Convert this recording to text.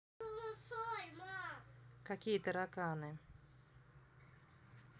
какие тараканы